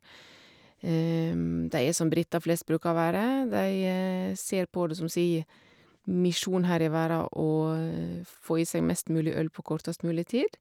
De er som briter flest bruker å være, de ser på det som si misjon her i verda å få i seg mest mulig øl på kortest mulig tid.